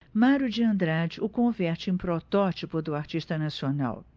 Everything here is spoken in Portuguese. mário de andrade o converte em protótipo do artista nacional